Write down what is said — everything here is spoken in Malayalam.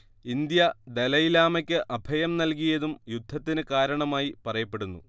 ഇന്ത്യ ദലൈലാമക്ക് അഭയം നൽകിയതും യുദ്ധത്തിന് കാരണമായി പറയപ്പെടുന്നു